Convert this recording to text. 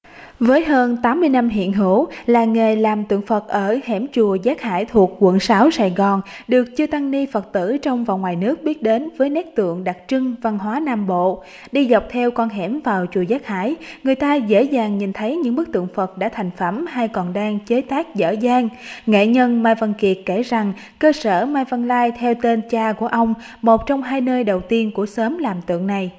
với hơn tám mươi năm hiện hữu là nghề làm tượng phật ở hẻm chùa giác hải thuộc quận sáu sài gòn được chư tăng ni phật tử trong và ngoài nước biết đến với nét tượng đặc trưng văn hóa nam bộ đi dọc theo con hẻm vào chùa giác hải người ta dễ dàng nhìn thấy những bức tượng phật đã thành phẩm hay còn đang chế tác dở dang nghệ nhân mai văn kiệt kể rằng cơ sở mai văn lai theo tên cha của ông một trong hai nơi đầu tiên của xóm làm tượng này